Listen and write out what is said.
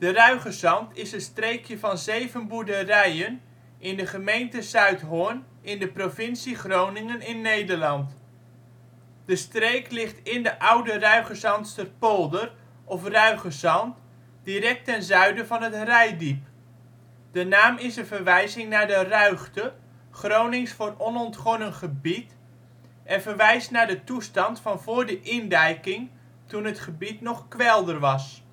Ruigezand is een streekje van zeven boerderijen in de gemeente Zuidhorn in de provincie Groningen (Nederland). De streek ligt in de Oude Ruigezandsterpolder (of Ruigezand) direct ten zuiden van het Reitdiep. De naam is een verwijzing naar de ruigte, Gronings voor onontgonnen gebied, en verwijst naar de toestand van voor de indijking, toen het gebied nog kwelder was